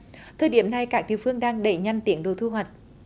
thời điểm này các địa phương đang đẩy nhanh tiến độ thu hoạch